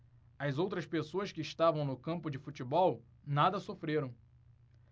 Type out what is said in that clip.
as outras pessoas que estavam no campo de futebol nada sofreram